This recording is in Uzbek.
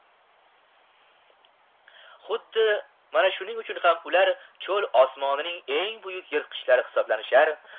xuddi mana shuning uchun ham ular cho'l osmonining eng buyuk yirtkichlari hisoblanishar